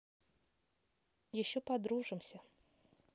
еще подружимся